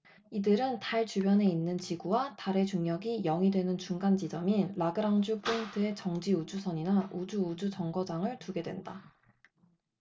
이들은 달 주변에 있는 지구와 달의 중력이 영 이 되는 중간 지점인 라그랑쥬포인트에 정지 우주선이나 우주우주정거장을 두게 된다